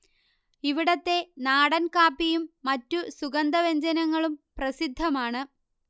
ഇവിടത്തെ നാടൻ കാപ്പിയും മറ്റു സുഗന്ധവ്യഞ്ജനങ്ങളും പ്രസിദ്ധമാണ്